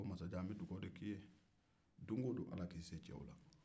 a ko n bɛ dugawu de kɛ i ye masajan ala k'i se cɛw la don o don